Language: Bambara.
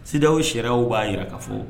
Sidiw sɛw b'a jira ka fɔ